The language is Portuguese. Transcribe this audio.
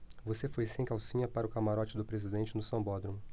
você foi sem calcinha para o camarote do presidente no sambódromo